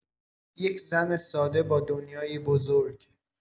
یک زن ساده با دنیایی بزرگ.